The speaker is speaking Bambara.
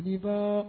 Libaa